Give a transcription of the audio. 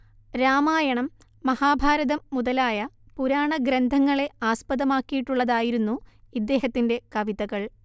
രാമായണം മഹാഭാരതം മുതലായ പുരാണഗ്രന്ഥങ്ങളെ ആസ്പദമാക്കിയിട്ടുള്ളതായിരുന്നു ഇദ്ദേഹത്തിന്റെ കവിതകൾ